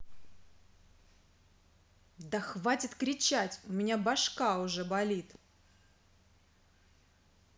да хватит кричать у меня башка уже болит